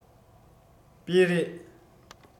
སྤེལ རེས